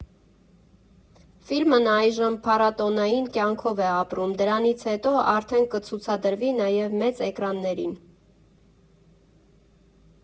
Ֆիլմն այժմ փառատոնային կյանքով է ապրում, դրանից հետո արդեն կցուցադրվի նաև մեծ էկրաններին։